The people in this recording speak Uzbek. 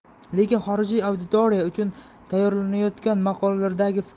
lekin xorijiy auditoriya uchun tayyorlanayotgan maqolalardagi